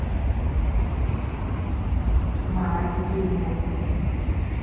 мама дебильная